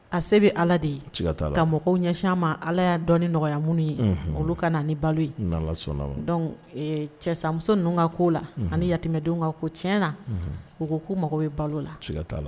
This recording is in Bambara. A se bɛ ala de ka mɔgɔw ɲɛsinya ma ala y'a dɔn ni nɔgɔyaya minnu ye olu ka na ni balo cɛmuso ka ko la ani yamɛdenw ka ko ti na u ko ko mako bɛ balo la la